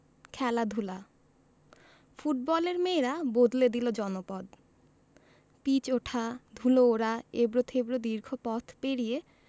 খেলাধুলা ফুটবলের মেয়েরা বদলে দিল জনপদ পিচ ওঠা ধুলো ওড়া এবড়োখেবড়ো দীর্ঘ পথ পেরিয়ে